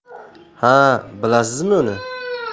ha bilasizmi uni